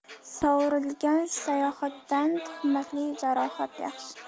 sovrilgan sayohatdan tuhmatli jarohat yaxshi